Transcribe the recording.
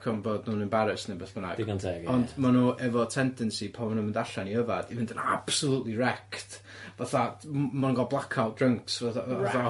'Cofn bod nw'n embarassed ne' beth bynnag. Digon teg ia. ond ma' nw efo tendency pan ma' nw'n mynd allan i yfad i fynd yn absolutely wrecked fatha m- ma' nw'n cael blackout drunks fatha